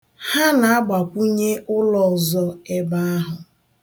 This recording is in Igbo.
Ha na-agbakwunye ụlọ ọzọ ebe ahụ.